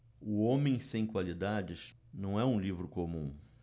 o homem sem qualidades não é um livro comum